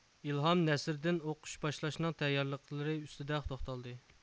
ئىلھام نەسىردىن ئوقۇش باشلاشنىڭ تەييارلىقلىرى ئۈستىدە توختالدى